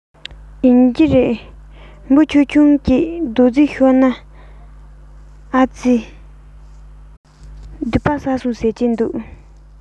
ཡིན གྱི རེད འབུ ཆུང ཆུང ཅིག རྡོག རྫིས ཤོར ནའི ཨ རྩི སྡིག པ བསགས སོང ཟེར གྱི འདུག